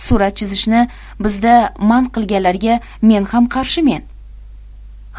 surat chizishni bizda man qilganlariga men ham qarshimen